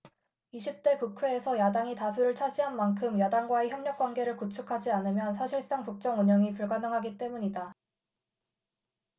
이십 대 국회에서 야당이 다수를 차지한 만큼 야당과의 협력관계를 구축하지 않으면 사실상 국정 운영이 불가능하기 때문이다